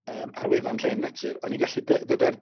yym ar wefan llên natur o'n i'n gallu dy- ddod ar